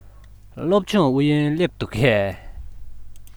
སློབ སྦྱོང ཨུ ཡོན སླེབས འདུག གས